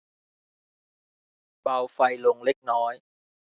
เบาไฟลงเล็กน้อย